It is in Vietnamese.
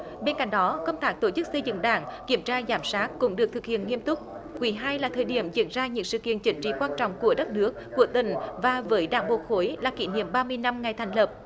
bên cạnh đó công tác tổ chức xây dựng đảng kiểm tra giám sát cũng được thực hiện nghiêm túc quý hai là thời điểm diễn ra nhiều sự kiện chính trị quan trọng của đất nước của tỉnh và với đảng bộ khối là kỷ niệm ba mươi năm ngày thành lập